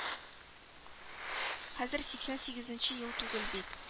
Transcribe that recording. Хәзер сиксән сигезенче ел түгел бит